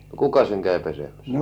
kuka sen kävi pesemässä